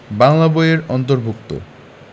বাংলা বই এর অন্তর্ভুক্ত